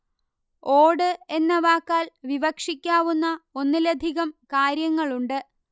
ഓട് എന്ന വാക്കാൽ വിവക്ഷിക്കാവുന്ന ഒന്നിലധികം കാര്യങ്ങളുണ്ട്